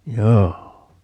joo